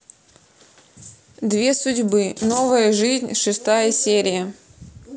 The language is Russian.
две судьбы новая жизнь шестая серия